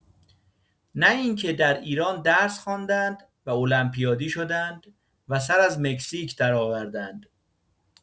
نه این که در ایران درس خواندند و المپیادی شدند و سر از مکزیک درآوردند.